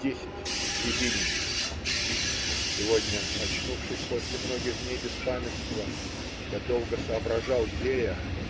Десять РЯБИНИН. Сегодня, очнувшись после многих дней беспамятства, я долго соображал, где я.